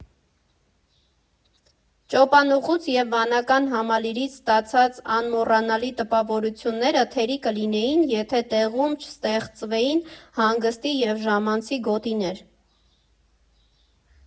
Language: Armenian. Ճոպանուղուց և վանական համալիրից ստացած անմոռանալի տպավորությունները թերի կլինեին, եթե տեղում չստեղծվեին հանգստի և ժամանցի գոտիներ։